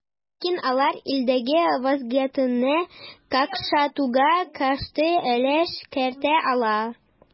Ләкин алар илдәге вазгыятьне какшатуга шактый өлеш кертә ала.